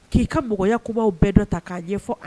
K'i ka mɔgɔya kumaw bɛɛ dɔ ta k'a ɲɛfɔ a ye.